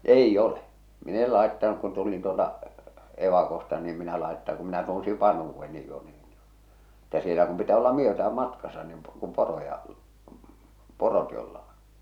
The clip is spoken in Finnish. ei ole minä en laittanut kun tulin tuolta evakosta niin en minä - kun minä tunsin vanhuudenkin jo niin että siellä kun pitää olla myötään matkassa niin kun poroja porot jolla on